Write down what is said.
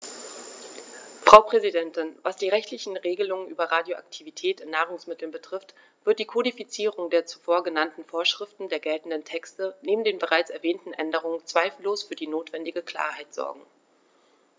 Frau Präsidentin, was die rechtlichen Regelungen über Radioaktivität in Nahrungsmitteln betrifft, wird die Kodifizierung der zuvor genannten Vorschriften der geltenden Texte neben den bereits erwähnten Änderungen zweifellos für die notwendige Klarheit sorgen.